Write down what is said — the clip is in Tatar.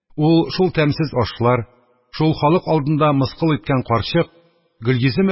Ул, шул тәмсез ашлар, шул, халык алдында мыскыл иткән карчык – Гөлйөзем